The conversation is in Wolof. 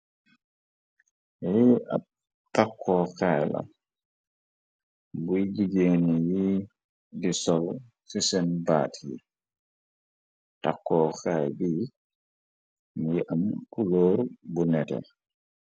Li ab takkooxaay la buy jigéene yi di sol ciseen baat yi takkooxaay bii niy am kulóor bu netee.